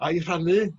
Ai rhannu